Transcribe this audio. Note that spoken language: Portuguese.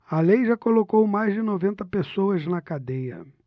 a lei já colocou mais de noventa pessoas na cadeia